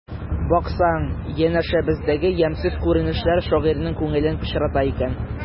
Баксаң, янәшәбездәге ямьсез күренешләр шагыйрьнең күңелен пычрата икән.